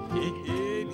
Ee